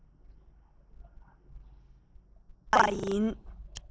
ཞུགས པ ཡིན